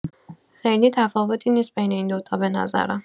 خیلی تفاوتی نیست بین این دو تا بنظرم